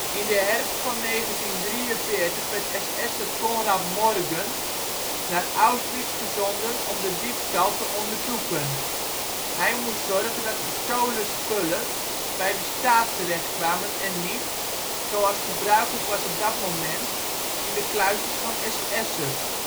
In de herfst van 1943 werd SS'er Konrad Morgen naar Auschwitz gezonden om de diefstal te onderzoeken. Hij moest zorgen dat gestolen spullen bij de staat terecht kwamen en niet, zoals gebruikelijk was op dat moment, in de kluisjes van SS'ers